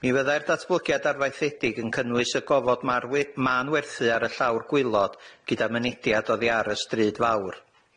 Mi fyddai'r datblygiad arfaethedig yn cynnwys y gofod ma'r wi- ma'n werthu ar y llawr gwaelod gyda mynediad oddi ar y stryd fawr.